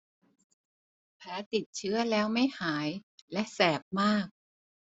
แผลติดเชื้อแล้วไม่หายและแสบมาก